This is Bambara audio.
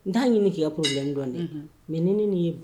N'a ɲini dɔn dɛ mɛ ne